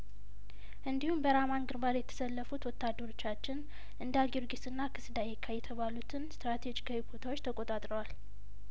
እንዲሁም በራማን ግንባር የተሰለፉት ወታደሮቻችን እንዳ ጊዮርጊስና ክስ ዳኢካ የተባሉትን ስትራቴጂካዊ ቦታዎች ተቆጣጥረዋል